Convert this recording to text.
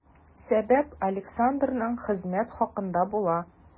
Сәбәп Александрның хезмәт хакында була.